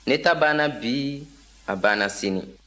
ne ta banna bi a banna sini